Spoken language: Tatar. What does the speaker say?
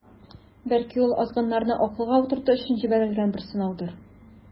Бәлки, ул азгыннарны акылга утыртыр өчен җибәрелгән бер сынаудыр.